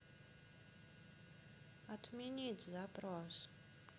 отменить запрос